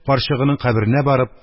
Карчыгының каберенә барып,